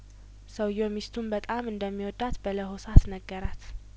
ሰውዬው ሚስቱን በጣም እንደሚወዳት በለሆሳ ስነገራት